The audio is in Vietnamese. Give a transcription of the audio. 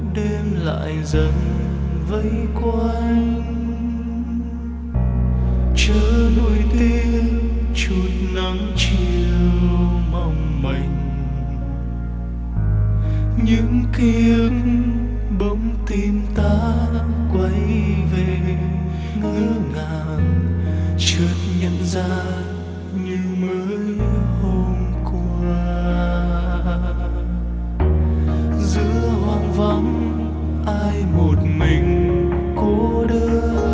đêm lại dần vây quanh chớ nuối tiếc chút nắng chiều mong manh những ký ức bỗng tìm ta quay về ngỡ ngàng chợt nhận ra như mới hôm qua giữa hoang vắng ai một mình cô đơn